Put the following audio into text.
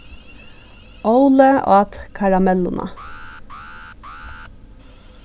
óli át karamelluna